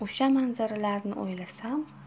o'sha manzarani o'ylasam